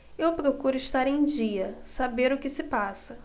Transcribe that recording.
eu procuro estar em dia saber o que se passa